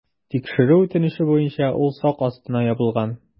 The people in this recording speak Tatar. Тикшерү үтенече буенча ул сак астына ябылган.